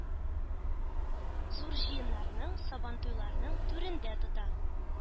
Зур җыеннарның, сабантуйларның түрендә тота.